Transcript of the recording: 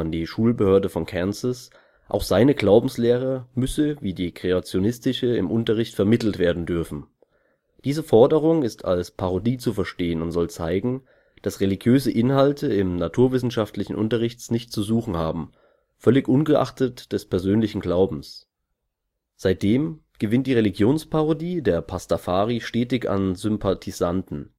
die Schulbehörde von Kansas, auch seine Glaubenslehre müsse wie die kreationistische im Unterricht vermittelt werden dürfen. Diese Forderung ist als Parodie zu verstehen und soll zeigen, dass religiöse Inhalte im naturwissenschaftlichen Unterricht nichts zu suchen haben, völlig ungeachtet des persönlichen Glaubens. Seitdem gewinnt die Religionsparodie der Pastafari stetig an Sympathisanten